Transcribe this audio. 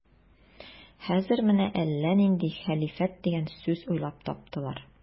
Хәзер менә әллә нинди хәлифәт дигән сүз уйлап таптылар.